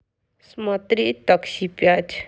смотреть такси пять